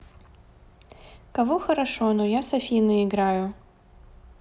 кого хорошону я с афиной играю